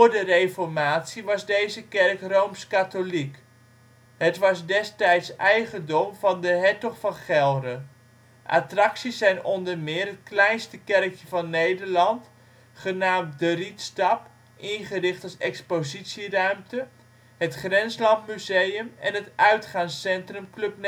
de Reformatie was deze kerk rooms-katholiek. Het was destijds eigendom van de hertog van Gelre. Attracties zijn onder meer het kleinste kerkje van Nederland, genaamd " De Rietstap " (ingericht als expositieruimte), het Grenslandmuseum, en het uitgaanscentrum Club